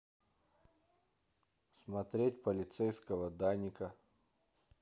смотреть полицейского даника